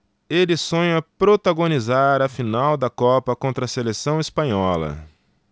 ele sonha protagonizar a final da copa contra a seleção espanhola